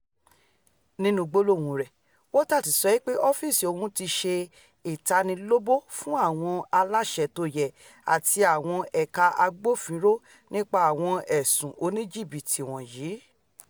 nínú gbólóhùn rẹ̀, Waters sọ pé ọ́fíìsì òun ti ṣe ìtanilóbo fún ''àwọn aláṣẹ tóyẹ àti àwọn ẹ̀ka agbófinró nípa àwọn ẹ̀sùn oníjìbìtì wọ̀nyí.